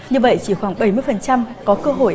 như vậy chỉ khoảng bẩy mươi phần trăm có cơ hội